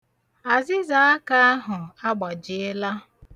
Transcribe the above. Azịzaaka ahụ agbajiela.